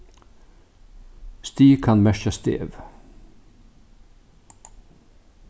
stig kann merkja stev